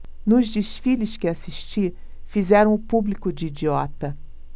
nos desfiles que assisti fizeram o público de idiota